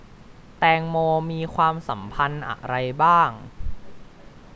แตงโมมีความสัมพันธ์อะไรบ้าง